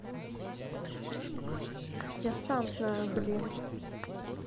я сам знаю блин